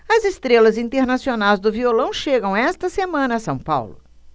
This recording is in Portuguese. as estrelas internacionais do violão chegam esta semana a são paulo